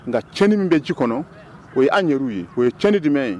Nka cɛnin min bɛ ji kɔnɔ o ye' yɛrɛ ye o ye tii dimɛ ye